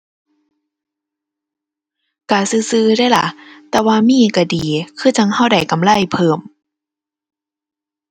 ก็ซื่อซื่อเดะล่ะ แต่ว่ามีก็ดี คือจั่งก็ได้กำไรเพิ่ม